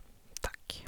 Takk.